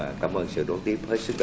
và cảm ơn sự đón tiếp hết sức